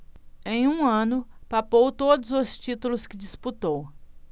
em um ano papou todos os títulos que disputou